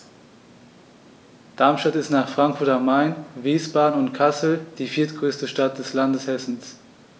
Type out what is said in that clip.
Darmstadt ist nach Frankfurt am Main, Wiesbaden und Kassel die viertgrößte Stadt des Landes Hessen